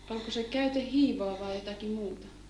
oliko se käyte hiivaa vai jotakin muuta